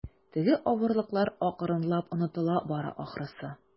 Теге авырлыклар акрынлап онытыла бара, ахрысы.